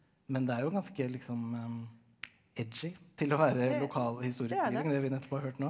men det er jo ganske liksom til å være lokalhistorieskriving det vi nettopp har hørt nå.